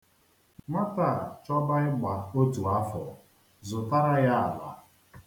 Nwata a chọba ịgba otu afọ, zụtara ya ala.